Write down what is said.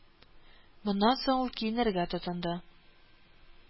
Моннан соң ул киенергә тотынды